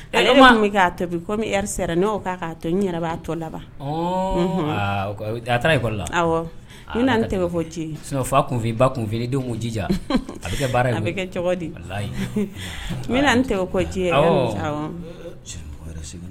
A to komi ne k'a'a tɔ ni yɛrɛ tɔ laban a taara i kɔrɔ la aw ne tɛ fɔ cɛ fa tunfin i ba kunfi' jija a bɛ kɛ baara a bɛ kɛ di bɛ tɛ cɛ